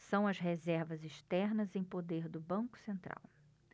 são as reservas externas em poder do banco central